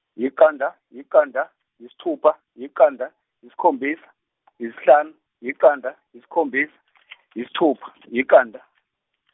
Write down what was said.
iqanda, iqanda, isithupha, iqanda, isikhombisa, isihlanu, iqanda, isikhombisa, isithupha, iqanda.